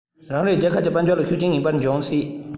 རང རེའི རྒྱལ ཁབ ཀྱི དཔལ འབྱོར ལ ཤུགས རྐྱེན ངན པ འབྱུང སྲིད